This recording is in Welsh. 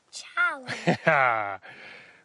Ciao.